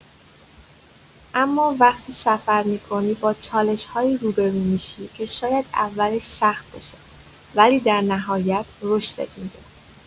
اما وقتی سفر می‌کنی، با چالش‌هایی روبه‌رو می‌شی که شاید اولش سخت باشه، ولی در نهایت رشدت می‌ده.